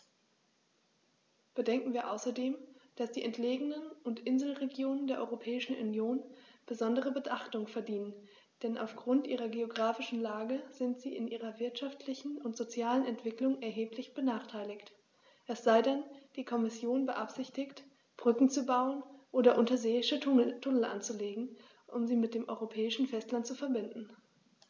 Bedenken wir außerdem, dass die entlegenen und Inselregionen der Europäischen Union besondere Beachtung verdienen, denn auf Grund ihrer geographischen Lage sind sie in ihrer wirtschaftlichen und sozialen Entwicklung erheblich benachteiligt - es sei denn, die Kommission beabsichtigt, Brücken zu bauen oder unterseeische Tunnel anzulegen, um sie mit dem europäischen Festland zu verbinden.